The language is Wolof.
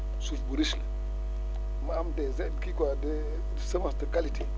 suuf bu riche la mu am des in kii quoi des semences de qualité